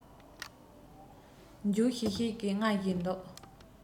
མགྱོགས ཤིག ཤིག གིས རྔ བཞིན འདུག